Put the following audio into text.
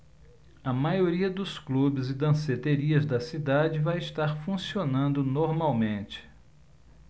a maioria dos clubes e danceterias da cidade vai estar funcionando normalmente